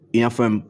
I y'a fɔ